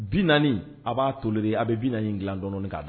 Bi a b'a to a bɛ bi dilan dɔn k'a